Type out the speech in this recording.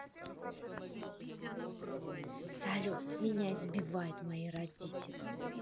салют меня избивают мои родители